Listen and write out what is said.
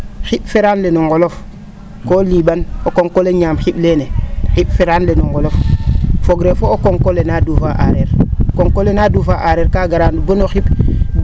feraan le no nqolof koo lii?an ko?ko le ñaam hi? leene hi? feraan le no nqolof fogree fo'o ko?ko le naa duufa a aareer ko?ko le naa duufa a aareer kaa garaa boo no hi?